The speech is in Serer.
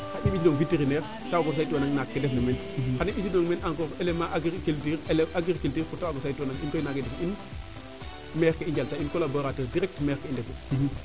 xa mbisidong veterinaire te waago saytu naak ke ndef na meen xan i mbisidng meen aussi element agriculture eleve agricuture pour te waago seytu in kay naga i ndetu in maire ke i njalta in colaborateur directe maire ke i ndefu